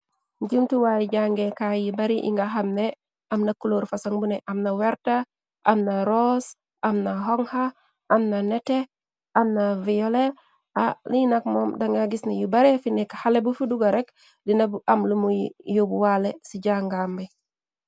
Jimtuwaaye jàngekaay yi bari yi nga xamne amna culooru fasaŋ bune amna werta amna ross amna honka amna nete amna violel ali nak moom danga gis na yu baree fi nekk xale bu fudugo rek dina bu am lumuy yóbbu waale ci jàngaam bi.